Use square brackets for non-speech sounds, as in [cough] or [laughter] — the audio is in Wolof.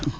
[hesitation]